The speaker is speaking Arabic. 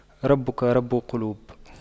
ربك رب قلوب